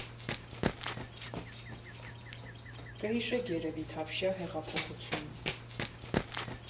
Կհիշեք երևի Թավշյա հեղափոխությունը։